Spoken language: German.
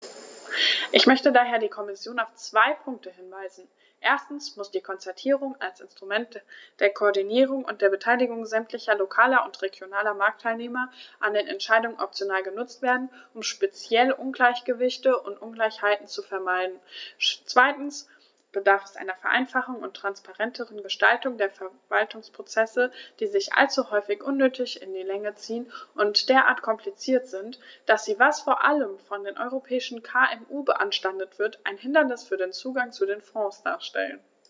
Ich möchte daher die Kommission auf zwei Punkte hinweisen: Erstens muss die Konzertierung als Instrument der Koordinierung und der Beteiligung sämtlicher lokaler und regionaler Marktteilnehmer an den Entscheidungen optimal genutzt werden, um speziell Ungleichgewichte und Ungleichheiten zu vermeiden; zweitens bedarf es einer Vereinfachung und transparenteren Gestaltung der Verwaltungsprozesse, die sich allzu häufig unnötig in die Länge ziehen und derart kompliziert sind, dass sie, was vor allem von den europäischen KMU beanstandet wird, ein Hindernis für den Zugang zu den Fonds darstellen.